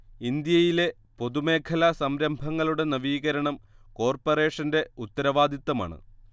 ഇന്ത്യയിലെ പൊതുമേഖലാ സംരംഭങ്ങളുടെ നവീകരണം കോർപ്പറേഷന്റെ ഉത്തരവാദിത്തമാണ്